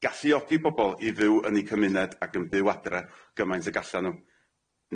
galluogi bobol i fyw yn eu cymuned ac yn byw adre gymaint ag allan nw.